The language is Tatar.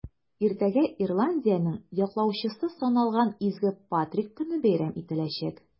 Иртәгә Ирландиянең яклаучысы саналган Изге Патрик көне бәйрәм ителәчәк.